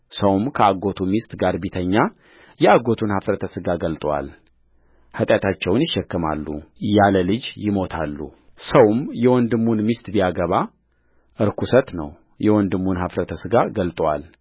ሰውም ከአጎቱ ሚስት ጋር ቢተኛ የአጎቱን ኃፍረተ ሥጋ ገልጦአል ኃጢአታቸውን ይሸከማሉ ያለ ልጅ ይሞታሉሰውም የወንድሙን ሚስት ቢያገባ ርኵሰት ነው የወንድሙን ኃፍረተ ሥጋ ገልጦአል